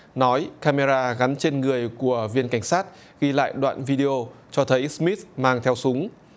nói ca me ra gắn trên người của viên cảnh sát ghi lại đoạn vi đi ô cho thấy sờ mít mang theo súng